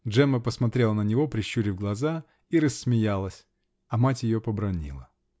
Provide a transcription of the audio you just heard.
Джемма посмотрела на него, прищурив глаза, -- и рассмеялась, а мать ее побранила.